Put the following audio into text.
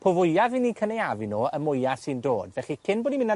po fwyaf 'yn ni'n cynaeafu nw, y mwya sy'n dod. Felly, cyn bo' ni'n myn' ar